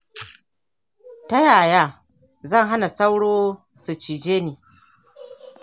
ta yaya zan hana sauro su cije ni